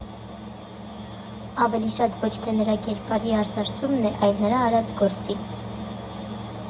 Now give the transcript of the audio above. Ավելի շատ ոչ թե նրա կերպարի արծարծումն է, այլ նրա արած գործի։